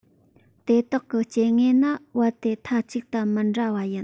དེ དག གི སྐྱེ དངོས ནི རྦད དེ མཐའ གཅིག ཏུ མི འདྲ བ ཡིན